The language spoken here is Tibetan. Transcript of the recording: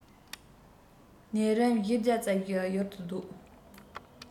ནད རིམས བཞི བརྒྱ རྩ བཞི ཡུལ དུ བཟློག